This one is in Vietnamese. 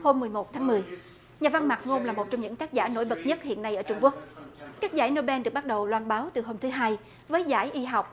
hôm mười một tháng mười nhà văn mạc ngôn là một trong những tác giả nổi bật nhất hiện nay ở trung quốc các giải nô ben được bắt đầu loan báo từ hôm thứ hai với giải y học